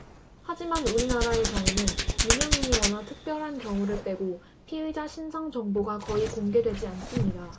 하지만 우리나라의 경우는 유명인이거나 특별한 경우를 빼고 피의자 신상 정보가 거의 공개되지 않습니다